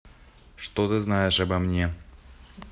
что ты знаешь обо мне